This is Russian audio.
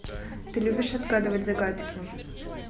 ты любишь отгадывать загадки